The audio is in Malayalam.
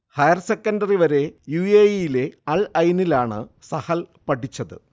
ഹയർ സെക്കൻഡറി വരെ യു. എ. ഇ. യിലെ അൽ ഐനിലാണു സഹൽ പഠിച്ചത്